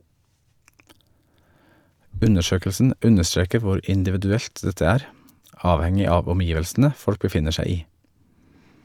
- Undersøkelsen understreker hvor individuelt dette er, avhengig av omgivelsene folk befinner seg i.